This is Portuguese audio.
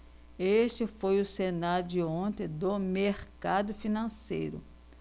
este foi o cenário de ontem do mercado financeiro